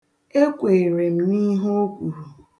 Ekweere m n'ihe o kwuru.